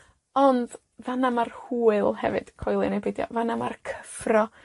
Ond, fan 'na ma'r hwyl hefyd, coelio neu beidio, fan 'na ma'r cyffro.